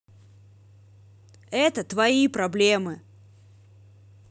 это твои проблемы